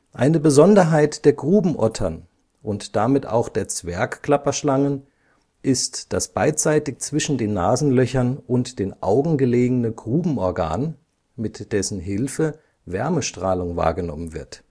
Eine Besonderheit der Grubenottern und damit auch der Zwergklapperschlangen ist das beidseitig zwischen den Nasenlöchern und den Augen gelegene Grubenorgan, mit dessen Hilfe Wärmestrahlung wahrgenommen wird